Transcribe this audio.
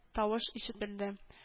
Тавыш ишетелде